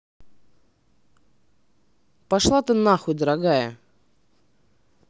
пошла ты нахуй дорогая